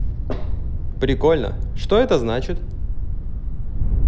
прикольно что это значит